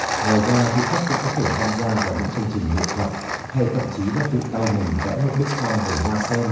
ngoài ra du khách cũng có thể tham gia vào những chương trình nghệ thuật hay thậm chí là tự tay mình vẽ một bức tranh về hoa sen